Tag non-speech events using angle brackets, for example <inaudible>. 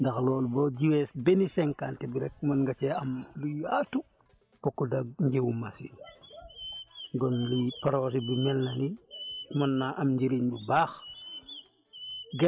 ndax loolu boo jiwee benn cinquante mètres rek mun nga cee am lu yaatu bokkut ak njiw bu machine <noise> bon lii projet bi mel na ni mën naa am njëriñ lu baax <noise>